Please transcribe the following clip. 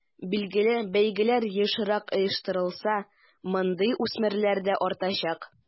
Билгеле, бәйгеләр ешрак оештырылса, мондый үсмерләр дә артачак.